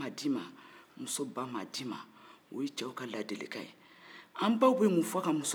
o ye cɛw ka ladilikan ye an baw bɛ mun fɔ ka musow bilasira